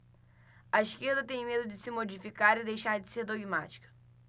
a esquerda tem medo de se modificar e deixar de ser dogmática